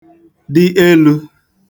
dị elū